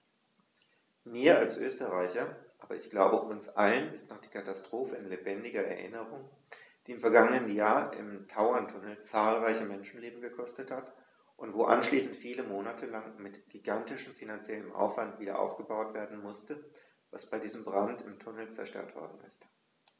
Mir als Österreicher, aber ich glaube, uns allen ist noch die Katastrophe in lebendiger Erinnerung, die im vergangenen Jahr im Tauerntunnel zahlreiche Menschenleben gekostet hat und wo anschließend viele Monate lang mit gigantischem finanziellem Aufwand wiederaufgebaut werden musste, was bei diesem Brand im Tunnel zerstört worden ist.